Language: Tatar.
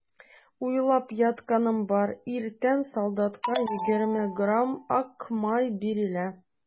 Уйлап ятканым бар: иртән солдатка егерме грамм ак май бирелә.